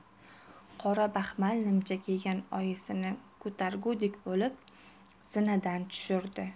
qora baxmal nimcha kiygan oyisini ko'targudek bo'lib zinadan tushirdi